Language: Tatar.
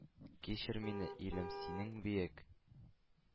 Кичер мине, илем, синең бөек